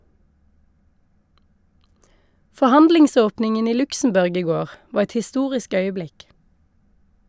Forhandlingsåpningen i Luxembourg i går var et historisk øyeblikk.